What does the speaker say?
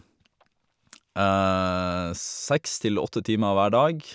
Seks til åtte timer hver dag.